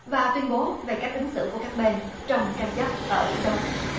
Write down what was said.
và tuyên bố về cách ứng xử của các bên trong tranh chấp ở biển đông